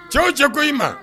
Cɛw cɛ ko i ma